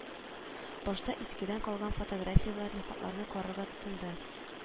Башта искедән калган фотографияларны, хатларын карарга тотынды